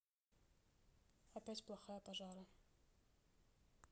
опять плохая пожары